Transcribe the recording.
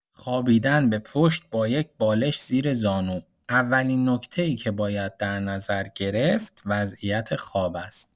خوابیدن به پشت با یک بالش زیر زانو اولین نکته‌ای که باید در نظر گرفت، وضعیت خواب است.